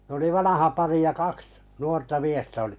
ne oli vanha pari ja kaksi nuorta miestä oli